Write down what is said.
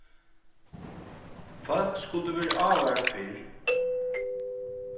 fólk skuldu verið ávarað fyrr